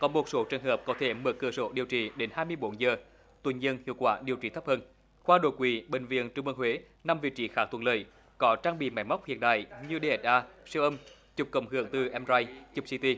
có một số trường hợp có thể mở cửa sổ điều trị đến hai mươi bốn giờ tuy nhiên hiệu quả điều trị thấp hơn khoa đột quỵ bệnh viện trung ương huế nằm vị trí khá thuận lợi có trang bị máy móc hiện đại như đẻ đa siêu âm chụp cộng hưởng từ em roay chụp xi ti